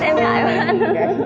em ngại quá anh